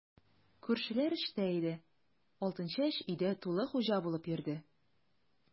Күршеләр эштә иде, Алтынчәч өйдә тулы хуҗа булып йөрде.